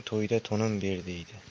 to'yda to'nim ber deydi